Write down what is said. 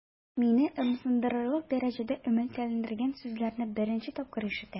Мине ымсындырырлык дәрәҗәдә өметләндергән сүзләрне беренче тапкыр ишетәм.